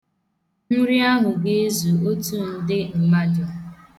Nri ahụ ga-ezu otu nde mmadụ.